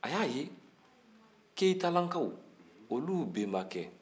a y'a ye keyitalakaw olu benbakɛ